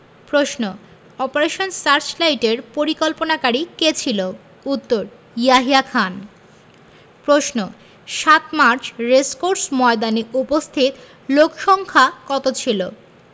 প্রশ্ন অপারেশন সার্চলাইটের পরিকল্পনাকারী কে ছিল উত্তর ইয়াহিয়া খান প্রশ্ন ৭ই মার্চ রেসকোর্স ময়দানে উপস্থিত লোকসংখ্যা কত ছিলো